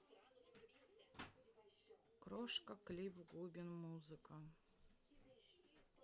крошка клип губин музыка